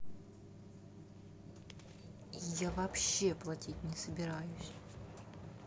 я вообще платить не собираюсь